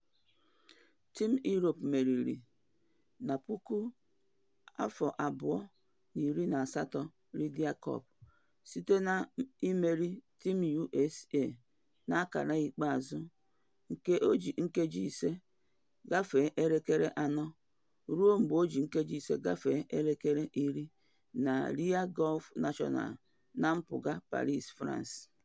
Team Europe meriri 2018 Ryder Cup site na imeri Team USA na akara ikpeazụ nke 16:5 ruo 10.5 na Le Golf National na mpuga Paris, France.